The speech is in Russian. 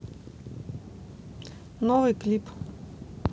новый клип